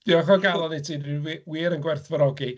Diolch o galon i ti, dwi wi- wir yn gwerthfawrogi.